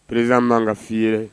Perezsan man ka fɔ i ye